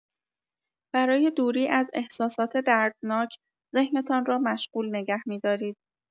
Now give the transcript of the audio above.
برای دوری از احساسات دردناک، ذهنتان را مشغول نگه می‌دارید.